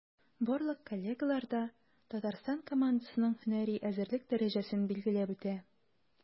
Барлык коллегалар да Татарстан командасының һөнәри әзерлек дәрәҗәсен билгеләп үтә.